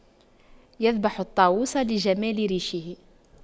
يذبح الطاووس لجمال ريشه